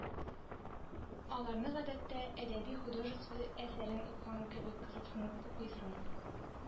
Аларны, гадәттә, әдәби-художество әсәрен укыган кебек кызыксынып укыйсың.